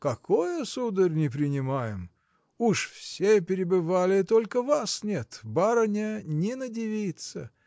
– Какое, сударь, не принимаем: уж все перебывали, только вас нет барыня не надивится.